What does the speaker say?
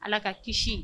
Ala ka kisi